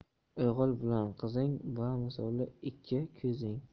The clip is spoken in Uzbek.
o'g'il bilan qizing bamisoli ikki ko'zing